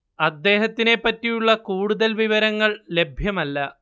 അദ്ദേഹത്തിനെ പറ്റിയുള്ള കൂടുതൽ വിവരങ്ങൾ ലഭ്യമല്ല